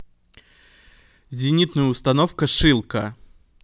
зенитная установка шилка